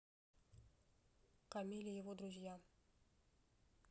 камиль и его друзья